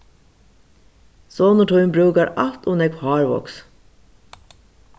sonur tín brúkar alt ov nógv hárvoks